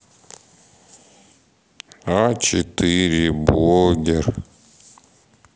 а четыре блогер